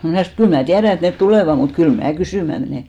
minä sanoin että kyllä minä tiedän että ne tulevat mutta kyllä minä kysymään menen